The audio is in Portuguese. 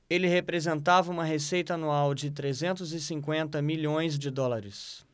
ele representava uma receita anual de trezentos e cinquenta milhões de dólares